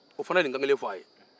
o fana ye nin kan kelen fɔ a ye